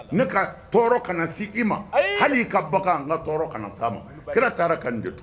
Ne ka tɔɔrɔ ka na si i ma hali ka bagan n ka tɔɔrɔ kana na s a ma kira taara ka n de to